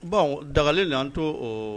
Bon dagali la an tɛ ɔ